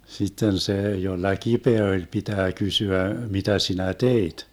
sitten se jolla kipeä oli pitää kysyä mitä sinä teit